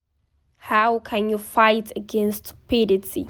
How can you fight against stupidity?